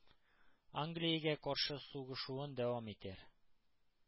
Англиягә каршы сугышуын дәвам итәр,